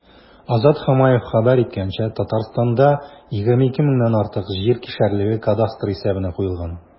Азат Хамаев хәбәр иткәнчә, Татарстанда 22 меңнән артык җир кишәрлеге кадастр исәбенә куелган.